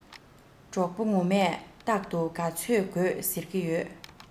གྲོགས པོ ངོ མས རྟག དུ ག ཚོད དགོས ཟེར གྱི ཡོད